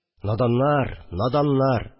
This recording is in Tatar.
Наданнар, наданнар!